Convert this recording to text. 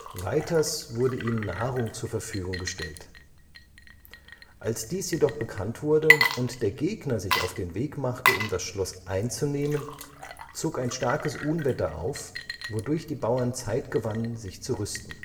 Weiters wurde ihnen Nahrung zur Verfügung gestellt. Als dies jedoch bekannt wurde und der Gegner sich auf den Weg machte, um das Schloss einzunehmen, zog ein starkes Unwetter auf, wodurch die Bauern Zeit gewannen sich zu rüsten